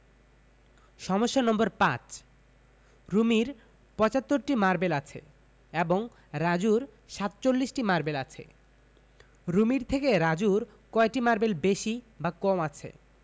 সমস্যা নম্বর ৫ রুমির ৭৫টি মারবেল আছে এবং রাজুর ৪৭টি মারবেল আছে রুমির থেকে রাজুর কয়টি মারবেল বেশি বা কম আছে